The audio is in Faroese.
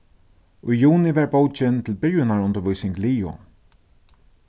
í juni var bókin til byrjanarundirvísing liðug